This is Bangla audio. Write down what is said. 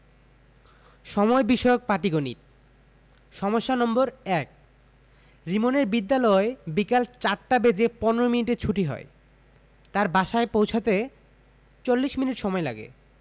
সময় বিষয়ক পাটিগনিত সমস্যা নম্বর ১ রিমনের বিদ্যালয় বিকাল ৪ টা বেজে ১৫ মিনিটে ছুটি হয় তার বাসায় পৌছাতে ৪০ মিনিট সময়লাগে